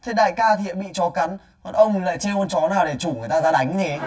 thế đại ca thì lại bị chó cắn thế còn ông lại trêu con chó nào để chủ người ta ra đánh chứ gì